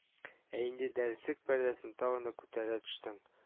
Ә инде дәреслек пәрдәсен тагын да күтәрә төшсәң